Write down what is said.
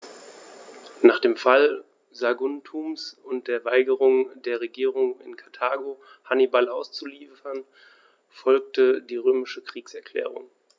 Nach dem Fall Saguntums und der Weigerung der Regierung in Karthago, Hannibal auszuliefern, folgte die römische Kriegserklärung.